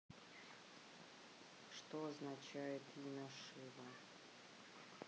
что означает имя шила